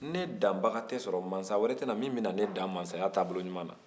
ne danbaga tɛ sɔrɔ massa wɛrɛ tɛ na min bɛ na ne dan masaya taabolo ɲuman na